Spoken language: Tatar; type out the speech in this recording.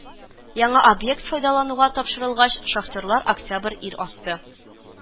Яңа объект файдалануга тапшырылгач, шахтерлар Октябрь ир асты